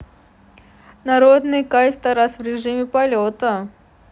народный кайф taras в режиме полета